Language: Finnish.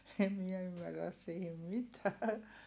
en minä ymmärrä siihen mitään